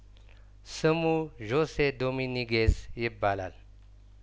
ስሙ ዦሴ ዶሚኒጌዝ ይባላል